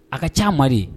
A ka ca ma